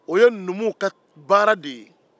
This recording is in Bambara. o ye numuw baara de ye